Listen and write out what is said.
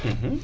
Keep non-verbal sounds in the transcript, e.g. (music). (hesitation) (hesitation)